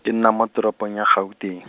ke nna mo teropong ya Gauteng.